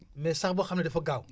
mais sax boo xam ne dafa gaaw